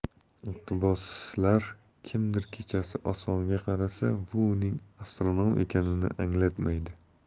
iqtiboslarkimdir kechasi osmonga qarasa bu uning astronom ekanini anglatmaydi